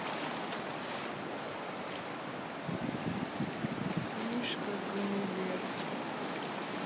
мишка гунивер